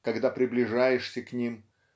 когда приближаешься к ним